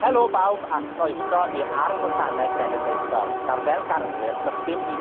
Helo, bawb, a chroeso i'r Ardd Fotaneg Genedlaethol. Nawr fel garddwyr do's dim byd